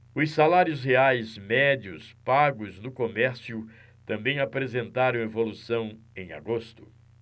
os salários reais médios pagos no comércio também apresentaram evolução em agosto